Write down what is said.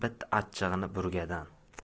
olar bit achchig'ini burgadan